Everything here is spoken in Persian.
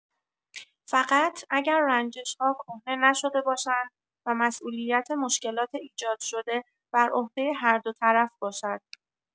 فقط اگر رنجش‌ها کهنه نشده باشند و مسئولیت مشکلات ایجادشده بر عهده هر دو طرف باشد.